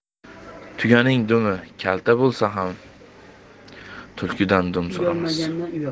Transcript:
tuyaning dumi kalta bo'lsa ham tulkidan dum so'ramas